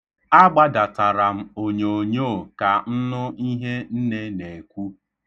Agbadatara m onyoonyoo ka m nụ ihe nne na-ekwu.